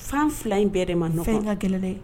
Fan fila in bɛɛ de ma fɛn ka gɛlɛ dɛ